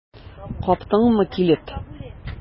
Каптыңмы килеп?